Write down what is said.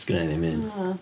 Sgenna i'm un... Na...